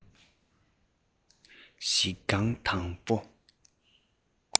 གཞི རྐང དང པོ